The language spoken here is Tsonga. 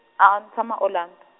a a n tshama Orlando.